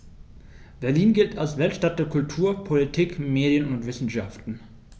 Berlin gilt als Weltstadt der Kultur, Politik, Medien und Wissenschaften.